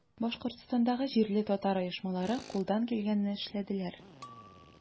Башкортстандагы җирле татар оешмалары кулдан килгәнне эшләделәр.